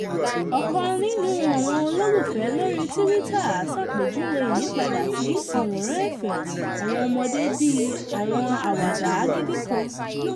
Ọ̀kan nínú àwọn olólùfẹ́ lóríi Twitter ṣàpèjúwe ìyípadà sí àwòrán ẹ̀fẹ̀ àwọn ọmọdé bíi “àwọn àwàdà agídí kan.”